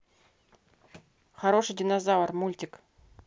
хороший динозавр мультик